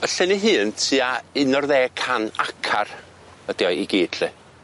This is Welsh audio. Y llyn ei hun tua un o'r ddeg can acar ydi o i gyd 'lly.